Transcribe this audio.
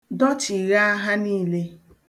Dọchịghaa ha niile.